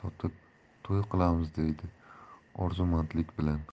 to'y qilamiz deydi orzumandlik bilan